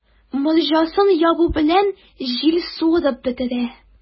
Морҗасын ябу белән, җил суырып бетерә.